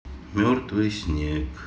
мертвый снег